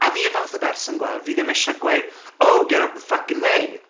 A fi y fath o berson, gweld, fi ddim eisiau gweud, "Oh, get out the fucking way!"